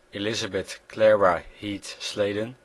Elisabeth Claira Heath Sladen